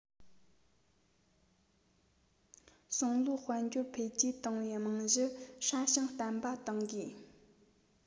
སང ལོའི དཔལ འབྱོར འཕེལ རྒྱས གཏོང བའི རྨང གཞི སྲ ཞིང བརྟན པ འདིང དགོས